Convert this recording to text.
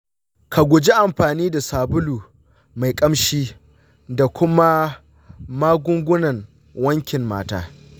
ka guji amfani da sabulu mai kamshi da kuma magungunan wankin mata.